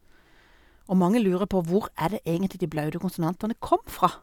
Hvor er det egentlig de blaute konsonantene kom fra?